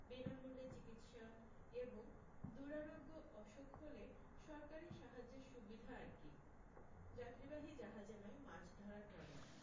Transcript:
বিনামূল্যে চিকিৎসা এবং দুরারোগ্য অসুখ হলে সরকারী সাহায্যের সুবিধা আর কী যাত্রীবাহী জাহাজে নয় মাছ ধরা ট্রলার